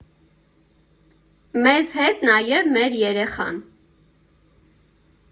Մեզ հետ՝ նաև մեր երեխան։